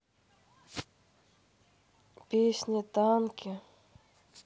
песни танки